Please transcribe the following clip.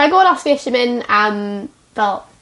Sai'n gwbod os fi eisie mynd am fel